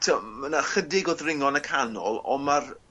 t'o ma' 'na chydig o ddringo yn y canol on' ma'r